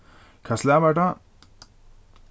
hvat slag var tað